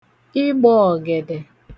ịgbọ̄ọgèdè